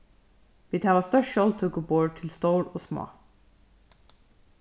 vit hava stórt sjálvtøkuborð til stór og smá